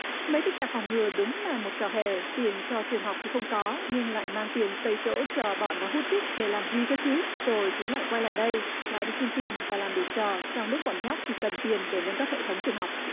mấy cái trạm phòng ngừa đúng là một trò hề tiền cho trường học thì không có nhưng lại mang tiền tới chỗ cho bọn nó hút chích để làm gì cơ chứ rồi chúng lại quay lại đây lại đi xin tiền và làm đủ trò trong lúc bọn nhóc thì cần tiền để nâng cấp hệ thống trường học